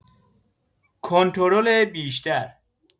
کنترل بیشتر